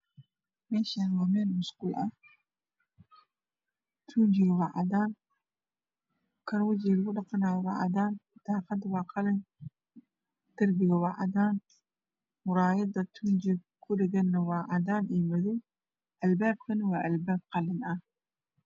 Meeshaani waa meel musqul ah.tuujigu waa cadaan, kan wajiga lugu dhaqana waa cadaan , daaqadu waa qalin, darbigu waa cadaan muraayada tuujiga kudhagana waa cadaan iyo madow, albaabkuna waa albaab qalin ah.